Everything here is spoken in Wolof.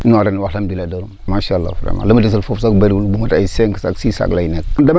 non ren alhamdulilah dalu ma macha allah vraiment li ma desal foofu sax bëriwul bu motee ay cinq sacs six lay nekk